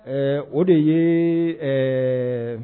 Ɛɛ o de ye ɛɛ